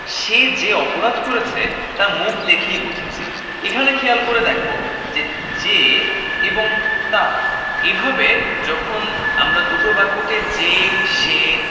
সে যে অপরাধ করেছে তা মুখ দেখেই বুঝেছি এখানে খেয়াল করে দেখ যে এবং তা এভাবে যখন আমরা দুটো বাক্য কে যে সে